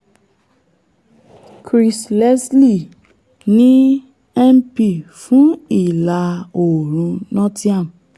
Chris Leslie ni MP fún Ìla-oòrùn Nottingham